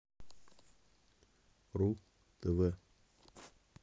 ру тв